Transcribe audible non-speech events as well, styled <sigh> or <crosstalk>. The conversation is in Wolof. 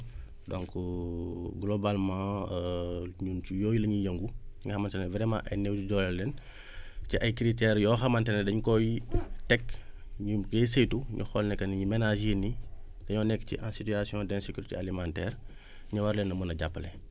donc <hesitation> globalement <hesitation> ñun ci yooyu la ñuy yëngu nga xamante ne vraiment ay néew di doole lañ <breath> ci ay critère yoo xamante ne dañ koy teg ñu ngi koy saytu ñu xool ni que ni ménages yii nii dañoo nekk ci en situation d' insécurité alimentaire <breath> ñu war leen a mën a jàppale